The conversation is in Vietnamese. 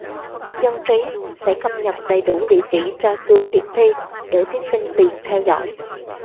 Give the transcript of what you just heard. dân trí sẽ cập nhật đầy đủ địa chỉ tra cứu điểm thi để thí sinh tiện theo dõi